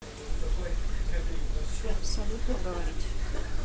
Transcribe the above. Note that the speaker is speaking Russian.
салют поговорить